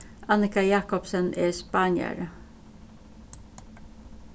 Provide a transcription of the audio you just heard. annika jacobsen er spaniari